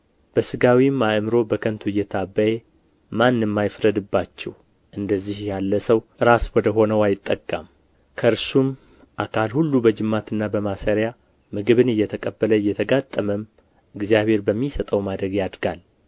በሥጋዊም አእምሮ በከንቱ እየታበየ ማንም አይፍረድባችሁ እንደዚህ ያለ ሰው ራስ ወደሚሆነው አይጠጋም ከእርሱም አካል ሁሉ በጅማትና በማሰሪያ ምግብን እየተቀበለ እየተጋጠመም እግዚአብሔር በሚሰጠው ማደግ ያድጋል